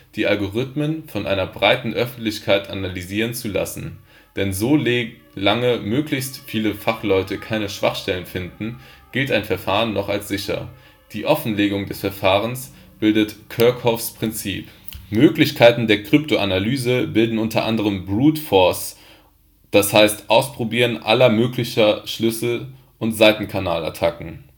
die Algorithmen von einer breiten Öffentlichkeit analysieren zu lassen. Denn so lange möglichst viele Fachleute keine Schwachstelle finden, gilt ein Verfahren noch als sicher. Die Offenlegung des Verfahrens bildet Kerckhoffs’ Prinzip. Möglichkeiten der Kryptoanalyse bilden unter anderem Brute Force (das heißt ausprobieren aller möglicher Schlüssel) und Seitenkanalattacken